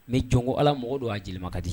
Mɛ jɔnko ala mako don a jeliba ka di